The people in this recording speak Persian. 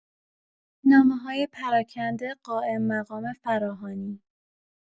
نامه‌های پراکنده قائم‌مقام فراهانی